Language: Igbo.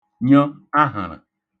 nyə̣ aḣə̣̀ṙə̣̀